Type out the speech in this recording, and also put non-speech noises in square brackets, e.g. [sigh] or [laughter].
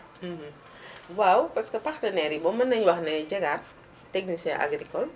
[hesitation] [hesitation] waaw parce que partenaires yi moom mën nañu wax ne Diegane technicien agricole